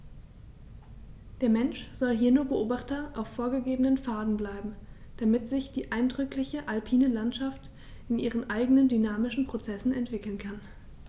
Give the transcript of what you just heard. Der Mensch soll hier nur Beobachter auf vorgegebenen Pfaden bleiben, damit sich die eindrückliche alpine Landschaft in ihren eigenen dynamischen Prozessen entwickeln kann.